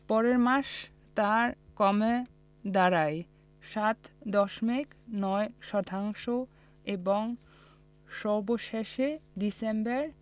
পরের মাসে তা কমে দাঁড়ায় ৭ দশমিক ০৯ শতাংশে এবং সর্বশেষ ডিসেম্বরে